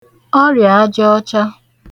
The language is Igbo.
ọrịàajaọcha